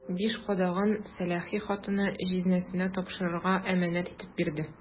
Биш кадагын сәләхи хатыны җизнәсенә тапшырырга әманәт итеп бирде.